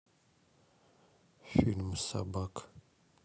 фильм собак